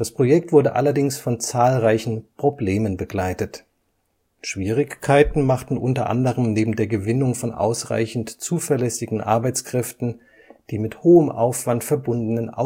Projekt wurde allerdings von zahlreichen Problemen begleitet. Schwierigkeiten machten unter anderem neben der Gewinnung von ausreichend zuverlässigen Arbeitskräften die mit hohem Aufwand verbundenen Aushubarbeiten